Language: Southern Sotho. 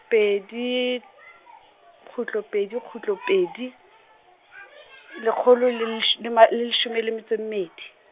pedi, kgutlo pedi kgutlo pedi, lekgolo le lesh-, lema, le leshome le metsho e mmedi.